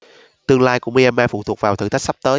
tương lai của myanmar phụ thuộc vào thử thách sắp tới